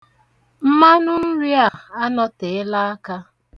Mmanụnri a anọteela aka.